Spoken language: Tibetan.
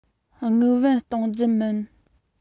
དངུལ བུན གཏོང རྒྱུ མིན